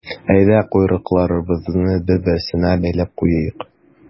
Әйдә, койрыкларыбызны бер-берсенә бәйләп куйыйк.